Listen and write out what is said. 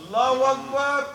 Naamu